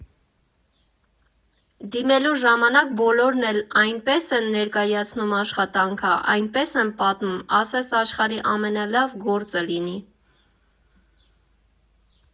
Դիմելու ժամանակ բոլորն էլ այնպես են ներկայացնում աշխատանքը, այնպես են պատմում՝ ասես աշխարհի ամենալավ գործը լինի։